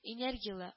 Энергиялы